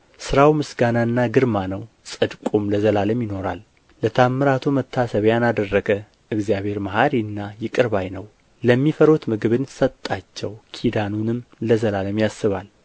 ሥራው ምስጋናና ግርማ ነው ጽድቁም ለዘላለም ይኖራል ለተአምራቱ መታሰቢያን አደረገ እግዚአብሔር መሓሪና ይቅር ባይ ነው ለሚፈሩት ምግብን ሰጣቸው ኪዳኑንም ለዘላለም ያስባል